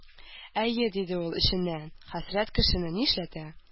«әйе,— диде ул эченнән,—хәсрәт кешене нишләтә!»